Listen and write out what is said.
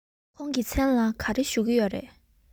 ཁོང གི མཚན ལ ག རེ ཞུ གི ཡོད རེད